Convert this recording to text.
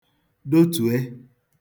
dotùe